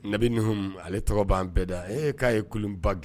Nabi Nuhum ale tɔgɔ b'an bɛɛ da ee k'a ye kulun ba g